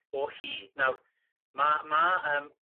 o hyd nawr ma' ma' yym